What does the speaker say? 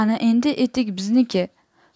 ana endi etik bizniki